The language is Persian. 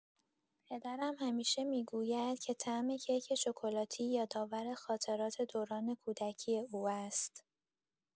پدرم همیشه می‌گوید که طعم کیک شکلاتی یادآور خاطرات دوران کودکی او است.